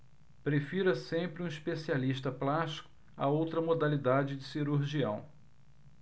prefira sempre um especialista plástico a outra modalidade de cirurgião